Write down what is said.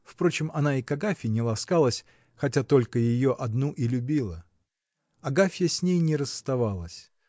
впрочем, она и к Агафье не ласкалась, хотя только ее одну и любила. Агафья с ней не расставалась.